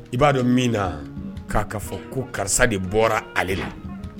I b'a dɔn min na k'a ka fɔ ko karisa de bɔra ale la